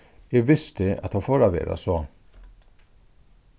eg visti at tað fór at vera so